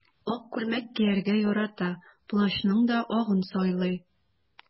Ак күлмәк кияргә ярата, плащның да агын сайлый.